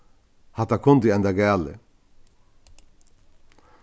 hatta kundi endað galið